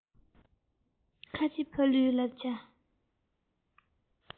ཁ ཆེ ཕ ལུའི བསླབ བྱ